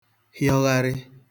hịọgharị